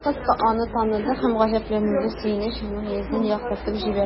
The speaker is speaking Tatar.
Кыз аны таныды һәм гаҗәпләнүле сөенеч аның йөзен яктыртып җибәрде.